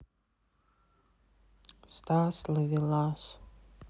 стас ловелас